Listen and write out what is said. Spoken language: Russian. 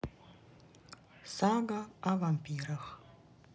сага о вампирах